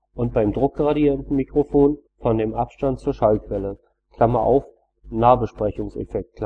und beim Druckgradientenmikrofon von dem Abstand zur Schallquelle (Nahbesprechungseffekt